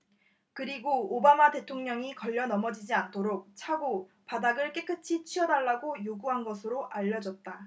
그리고 오바마 대통령이 걸려 넘어지지 않도록 차고 바닥을 깨끗이 치워달라고 요구한 것으로 알려졌다